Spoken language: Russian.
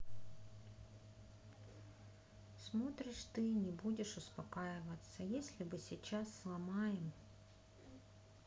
смотришь ты не будешь успокаиваться если бы сейчас сломаем